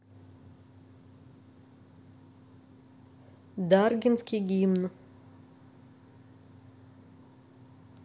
даргинский гимн